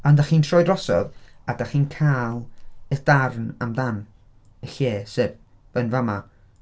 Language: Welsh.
Pan dach chi'n troi drosodd a dach chi'n cael y darn amdan y lle sef, yn fa'ma...